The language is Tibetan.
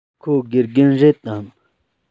ཁོ དགེ རྒན རེད དམ